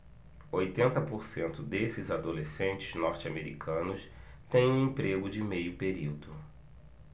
oitenta por cento desses adolescentes norte-americanos têm um emprego de meio período